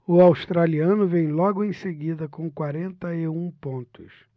o australiano vem logo em seguida com quarenta e um pontos